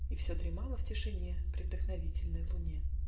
И все дремало в тишине При вдохновительной луне.